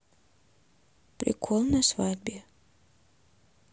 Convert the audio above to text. прикол на свадьбе